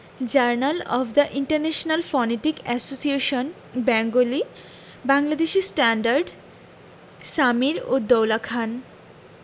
journal of the international phonetic association Bengali Bangladeshi standard Samir ud Daula Khan